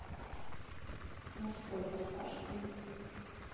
морской форсаж три